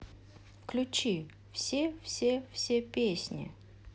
включить все все все песни